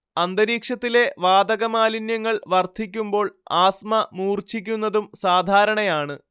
അന്തരീക്ഷത്തിലെ വാതകമാലിന്യങ്ങൾ വർദ്ധിക്കുമ്പോൾ ആസ്മ മൂർച്ഛിക്കുന്നതും സാധാരണയാണ്